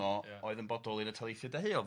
oedd yn bodoli yn y taleithia deheuol... Ia...